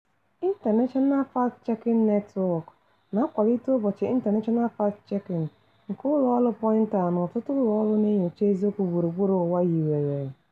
International Fact-Checking Network na-akwalite Ụbọchị International Fact-Checking, nke ụlọọrụ Poynter na ọtụtụ ụlọọrụ na-enyocha eziokwu gburugburu ụwa hiwere.